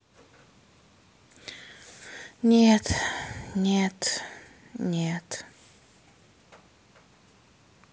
нет нет нет